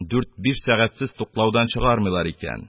- дүрт-биш сәгатьсез туклаудан чыгармыйлар икән.